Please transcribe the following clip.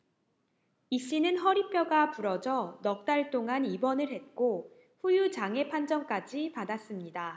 이 씨는 허리뼈가 부러져 넉 달 동안 입원을 했고 후유장애 판정까지 받았습니다